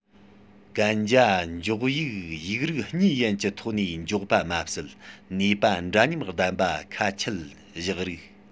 གན རྒྱ འཇོག ཡིག ཡིག རིགས གཉིས ཡན གྱི ཐོག ནས འཇོག པ མ ཟད ནུས པ འདྲ མཉམ ལྡན པ ཁ ཆད བཞག རིགས